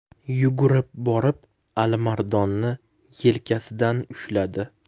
yugurib borib alimardonni yelkasidan ushladi